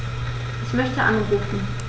Ich möchte anrufen.